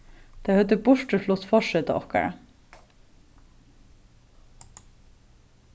tey høvdu burturflutt forseta okkara